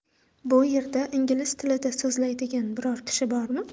bu yerda ingliz tilida so'zlaydigan biror kishi bormi